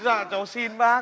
dạ cháu xin bác ạ